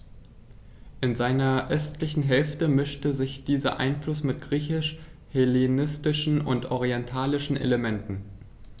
In seiner östlichen Hälfte mischte sich dieser Einfluss mit griechisch-hellenistischen und orientalischen Elementen.